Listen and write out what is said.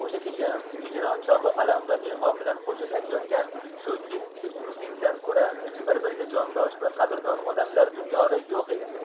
osha kecha hijron chog'i alam va ilhom bilan qo'shiq aytayotgan shu yetti gmzindan ko'ra bir biriga jondosh va qadrdon odamlar dunyoda yo'q edi